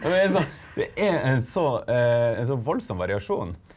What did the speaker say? og det er sånn det er en så en sånn voldsom variasjon.